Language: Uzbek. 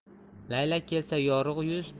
laylak kelsa yorug' yoz